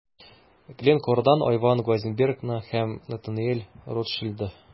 Glencore'дан Айван Глазенбергны һәм Натаниэль Ротшильдны.